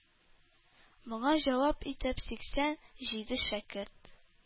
Моңа җавап итеп, сиксән җиде шәкерт